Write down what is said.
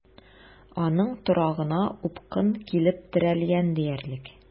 Аның торагына упкын килеп терәлгән диярлек.